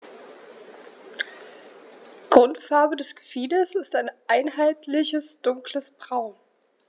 Grundfarbe des Gefieders ist ein einheitliches dunkles Braun.